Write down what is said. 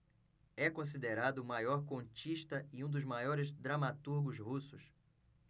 é considerado o maior contista e um dos maiores dramaturgos russos